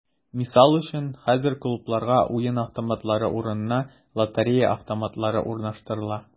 Мисал өчен, хәзер клубларга уен автоматлары урынына “лотерея автоматлары” урнаштырыла.